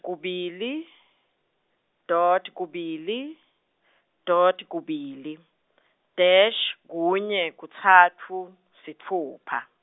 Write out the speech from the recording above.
kubili, dot kubili, dot kubili, dash, kunye, kutsatfu, sitfupha.